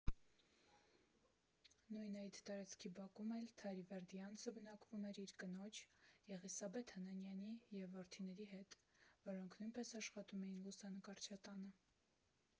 Նույն այդ տարածքի բակում էլ Թարիվերդյանցը բնակվում էր իր կնոջ՝ Եղիսաբեթ Անանյանի և որդիների հետ, որոնք նույնպես աշխատում էին լուսանկարչատանը։